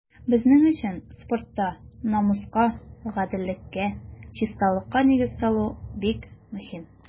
Безнең өчен спортта намуска, гаделлеккә, чисталыкка нигез салу бик мөһим.